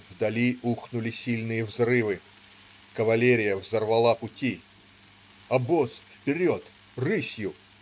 Вдали ухнули сильные взрывы - кавалерия взорвала пути. Обоз вперед! рысью!